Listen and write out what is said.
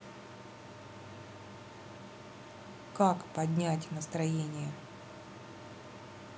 как поднять настроение